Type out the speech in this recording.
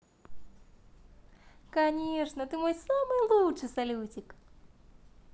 конечно ты мой самый лучший салютик